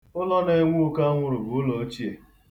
Ụlọ na-enwe ukoanwụrụ bụ ụlọ ochie.